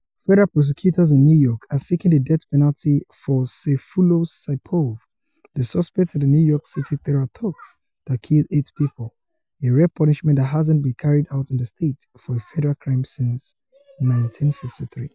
Federal prosecutors in New York are seeking the death penalty for Sayfullo Saipov, the suspect in the New York City terror attack that killed eight people -- a rare punishment that hasn't been carried out in the state for a federal crime since 1953.